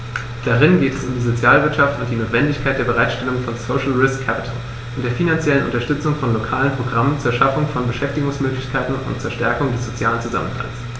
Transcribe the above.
Darin geht es um die Sozialwirtschaft und die Notwendigkeit der Bereitstellung von "social risk capital" und der finanziellen Unterstützung von lokalen Programmen zur Schaffung von Beschäftigungsmöglichkeiten und zur Stärkung des sozialen Zusammenhalts.